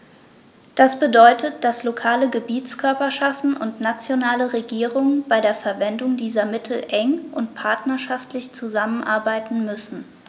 Das bedeutet, dass lokale Gebietskörperschaften und nationale Regierungen bei der Verwendung dieser Mittel eng und partnerschaftlich zusammenarbeiten müssen.